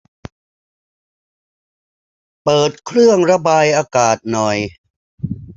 เปิดเครื่องระบายอากาศหน่อย